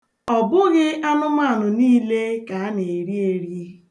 Ọ bughị anụmaanụ niile ka a na-eri eri.